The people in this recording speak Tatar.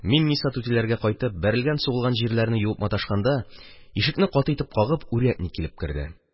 Мин Ниса түтиләргә кайтып, бәрелгән-сугылган җирләрне юып маташканда, ишекне каты итеп кагып, урядник килеп керде: